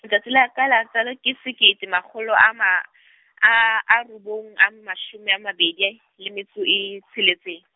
letsatsi la kala tswalo ke sekete makgolo a ma a, a robong a mashome a mabedi le metso e tsheletseng.